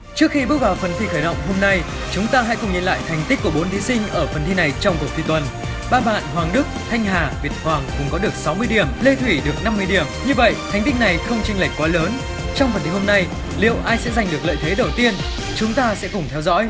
trước khi bước vào phần thi khởi động hôm nay chúng ta hãy cùng nhìn lại thành tích của bốn thí sinh ở phần thi này trong cuộc thi tuần ba bạn hoàng đức thanh hà việt hoàng cùng có được sáu mươi điểm lê thủy được năm mươi điểm như vậy thành tích này không chênh lệch quá lớn trong phần thi hôm nay liệu ai sẽ giành được lợi thế đầu tiên chúng ta sẽ cùng theo dõi